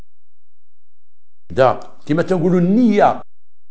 دام في النيه